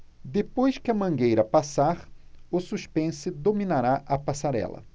depois que a mangueira passar o suspense dominará a passarela